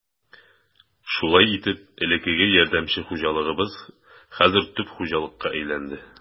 Шулай итеп, элеккеге ярдәмче хуҗалыгыбыз хәзер төп хуҗалыкка әйләнде.